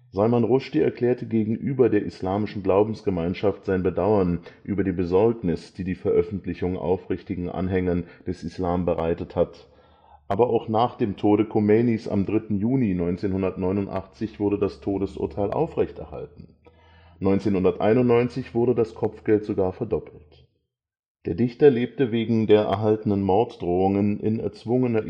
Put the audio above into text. Salman Rushdie erklärte gegenüber der islamischen Glaubensgemeinschaft sein Bedauern über „ die Besorgnis, die die Veröffentlichung aufrichtigen Anhängern des Islam bereitet hat “. Aber auch nach dem Tode Khomeinis am 3. Juni 1989 wurde das Todesurteil aufrechterhalten. 1991 wurde das Kopfgeld sogar verdoppelt. Der Dichter lebte wegen der erhaltenen Morddrohungen in erzwungener